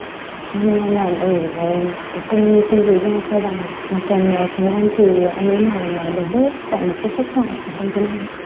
em làm ở ở công ty giày da sao vàng còn chồng em thì anh ấy làm đầu bếp tại một cách khách sạn ở đông kiên an